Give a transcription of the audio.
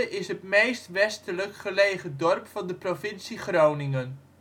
is het meest westelijk gelegen dorp van de provincie Groningen